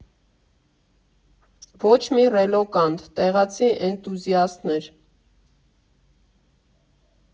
Ոչ մի ռելոկանտ՝ տեղացի էնտուզիաստներ։